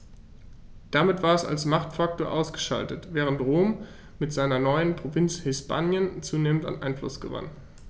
Damit war es als Machtfaktor ausgeschaltet, während Rom mit seiner neuen Provinz Hispanien zunehmend an Einfluss gewann.